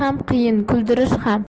ham qiyin kuldirish ham